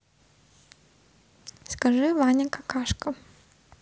скажи ваня какашка